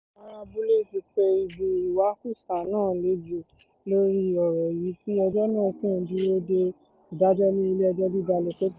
Àwọn ará abúlé ti pe ibi ìwakùsà náà lẹ́jọ́ lórí ọ̀rọ̀ yìí, tí ẹjọ́ náà sì ń dúró de ìdájọ́ ní Ilé-ẹjọ́ Gíga Lesotho.